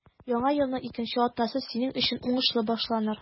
Яңа елның икенче атнасы синең өчен уңышлы башланыр.